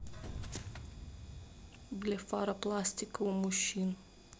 блефаропластика у мужчин